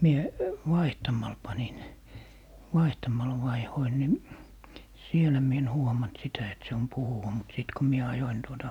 minä vaihtamalla panin vaihtamalla vaihdoin niin siellä minä en huomannut sitä että se on puhuva mutta sitten kun minä ajoin tuota